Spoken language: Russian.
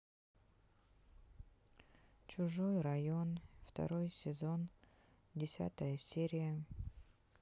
чужой район второй сезон десятая серия